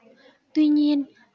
tuy nhiên